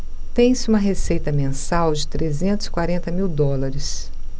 tem-se uma receita mensal de trezentos e quarenta mil dólares